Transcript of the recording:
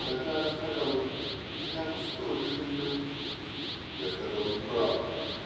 Тогда она сказала мне: -- Я вас тоже люблю. Я сказал: -- Неправда.